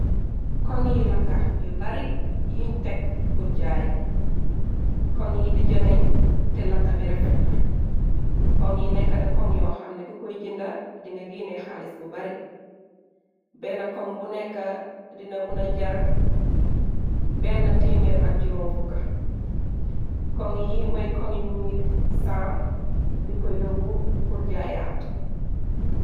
Koŋ yi làkka yu bari yuñ tekk pur jaay, koŋ yi dija nañ te lakka bi refet na, koŋg yi nekkana koŋ yoo xamne ku koy jenda di nga gene xaalis bu bari, benne koŋ wu nekka dina muna jar benne téemer ak juróom fukka, koŋ yi moy koŋ yi ñuy saam di ko yóbbu pur jaayaat.